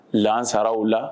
Lansaraw la